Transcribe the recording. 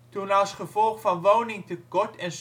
toen als gevolg van woningtekort en